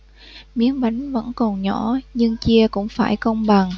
miếng bánh vẫn còn nhỏ nhưng chia cũng phải công bằng